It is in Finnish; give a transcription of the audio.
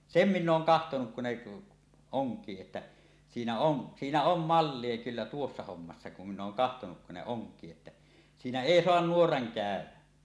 sen minä olen katsonut kun ne onkii että siinä on siinä on mallia kyllä tuossa hommassa kun minä olen katsonut kun ne onkii että siinä ei saa nuora käydä